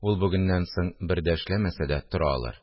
Ул бүгеннән соң бер дә эшләмәсә дә тора алыр